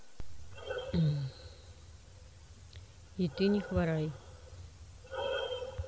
и ты не хворай